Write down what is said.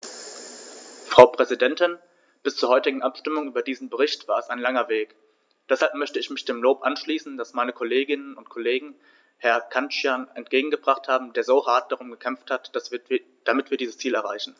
Frau Präsidentin, bis zur heutigen Abstimmung über diesen Bericht war es ein langer Weg, deshalb möchte ich mich dem Lob anschließen, das meine Kolleginnen und Kollegen Herrn Cancian entgegengebracht haben, der so hart darum gekämpft hat, damit wir dieses Ziel erreichen.